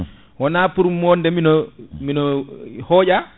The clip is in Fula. wona pour wonde miɗo miɗo hooƴa